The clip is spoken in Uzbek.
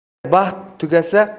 agar baxt tugasa